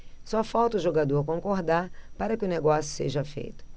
só falta o jogador concordar para que o negócio seja feito